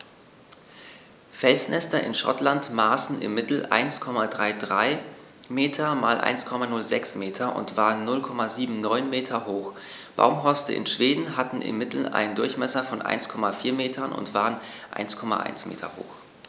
Felsnester in Schottland maßen im Mittel 1,33 m x 1,06 m und waren 0,79 m hoch, Baumhorste in Schweden hatten im Mittel einen Durchmesser von 1,4 m und waren 1,1 m hoch.